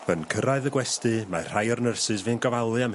Yn cyrraedd y gwesty mae rhai o'r nyrsys fu'n gofalu am...